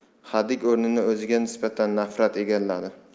hadik o'rnini o'ziga nisbatan nafrat egalladi